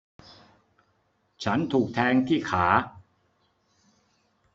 ฉันถูกแทงที่ขา